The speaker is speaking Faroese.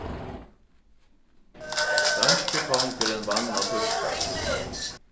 danski kongurin vann á týskarum